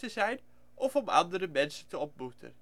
zijn '; of om andere mensen te ontmoeten